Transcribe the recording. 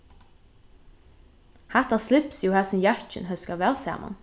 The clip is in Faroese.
hatta slipsið og hasin jakkin hóska væl saman